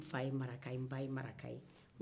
n fa ye maraka ye n ba ye maraka